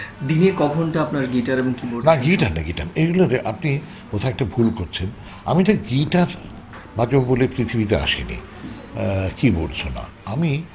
দিনে ক ঘন্টা আপনার গীটার এবং কিবোর্ড না গিটার না গিটার না আপনি কোথা একটা ভুল করছেন আমি ঠিক গিটার বাজাবো বলে পৃথিবীতে আসিনি কিবোর্ডস ও না আমি